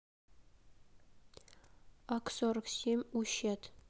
ак сорок семь у щет